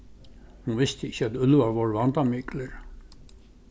hon visti ikki at úlvar vóru vandamiklir